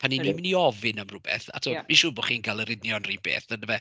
Pan 'y ni'n mynd i ofyn am rywbeth, a tibod... ie. ...wi'n siŵr bod chi'n cael yr union run peth, yn dyfe?